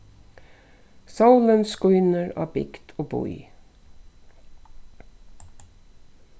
sólin skínur á bygd og bý